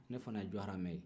ne fana ye jɔwɔrɔmɛ ye